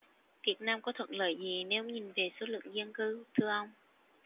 việt nam có thuận lợi gì nếu nhìn về số lượng dân cư thưa ông